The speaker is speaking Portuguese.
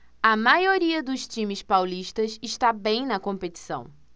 a maioria dos times paulistas está bem na competição